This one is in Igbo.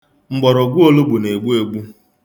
Mgbọrọgwụ olugbu na-egbu egbu.